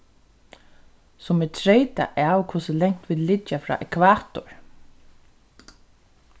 sum er treytað av hvussu langt vit liggja frá ekvator